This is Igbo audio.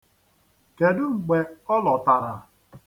Kedu mgbe ọ lọtara?